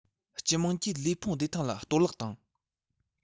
སྤྱི དམངས ཀྱི ལུས ཕུང བདེ ཐང ལ གཏོར བརླག དང